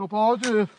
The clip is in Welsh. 'Dw bod i.